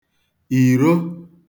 ìro